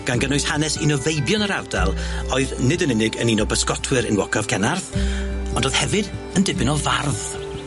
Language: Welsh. gan gynnwys hanes un o feibion yr ardal oedd nid yn unig yn un o bysgotwyr enwocaf Cennarth ond o'dd hefyd yn dibyn o fardd.